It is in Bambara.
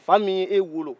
fa mi ye e wolo